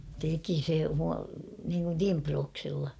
teki se - niin kuin timprauksilla